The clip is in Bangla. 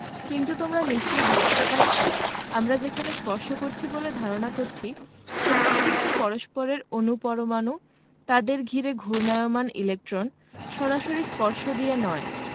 কিন্তু তোমরা নিশ্চয়ই বুঝতে পারছ আমরা যেখানে স্পর্শ করছি বলে ধারণা করছি সেখানে কিন্তু পরস্পরের অণু পরমাণু তাদের ঘিরে ঘূর্ণায়মান ইলেকট্রন সরাসরি স্পর্শ দিয়ে নয়